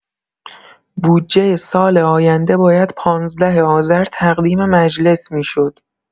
بودجه سال آینده باید ۱۵ آذر تقدیم مجلس می‌شد.